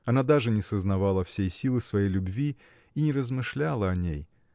Она даже не сознавала всей силы своей любви и не размышляла о ней.